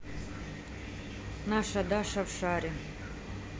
наша даша в шаре